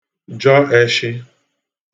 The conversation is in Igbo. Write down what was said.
jọ ẹshị